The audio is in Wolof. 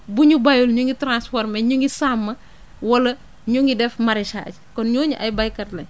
bu ñu bayul ñu ngi transformer ñu ngi sàmm wala ñu ngi def maraichage kon ñooñu ay béykat lañ